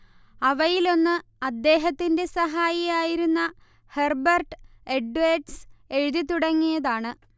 അവയിലൊന്ന് അദ്ദേഹത്തിന്റെ സഹായിയായിരുന്ന ഹെർബെർട്ട് എഡ്വേഡ്സ് എഴുതിത്തുടങ്ങിയതാണ്